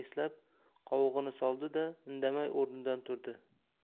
eslab qovog'ini soldi da indamay o'rnidan turdi